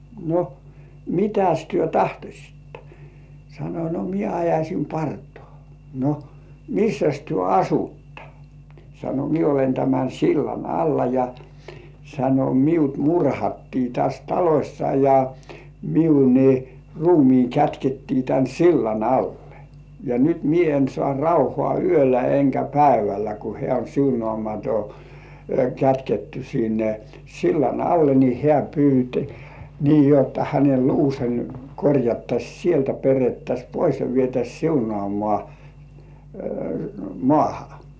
no mitäs te tahtoisitte sanoi no minä ajaisin partani no missäs te asutte sanoi minä olen tämän sillan alla ja sanoi minut murhattiin tässä talossa ja minun niin ruumiini kätkettiin tämän sillan alle ja nyt minä en saa rauhaa yöllä enkä päivällä kun hän oli siunaamaton kätketty sinne sillan alle niin hän pyysi niin jotta hänen luunsa korjattaisiin sieltä perettäisiin pois ja vietäisiin siunaamaan maahan